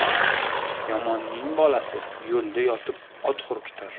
yomonning bolasi yo'lda yotib ot hurkitar